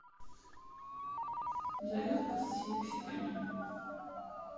зарядка с фиксиками